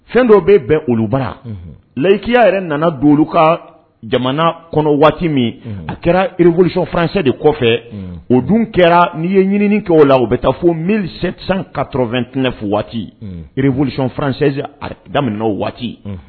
Fɛn dɔw bɛ bɛn oluba layikiya yɛrɛ nana do ka jamana kɔnɔ waati min a kɛra irebsiyfaransɛ de kɔfɛ o dun kɛra n'i ye ɲini kɛ o la u bɛ taa fo mili ka t2tfo waatireboliyfaran daminɛmin o waati